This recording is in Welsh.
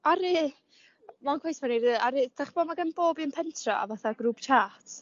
'Aru 'aru 'da chi'n gw'bod bod gan bob un pentra fatha group chat